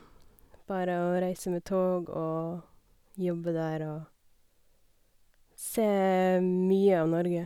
Bare å reise med tog og jobbe der og se mye av Norge.